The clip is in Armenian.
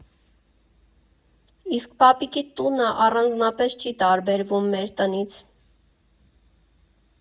Իսկ պապիկիդ տունը առանձնապես չի տարբերվում մեր տնից։